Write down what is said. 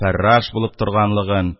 Фәрраш булып торганлыгын